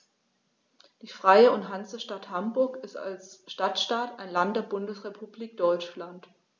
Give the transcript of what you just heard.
Die Freie und Hansestadt Hamburg ist als Stadtstaat ein Land der Bundesrepublik Deutschland.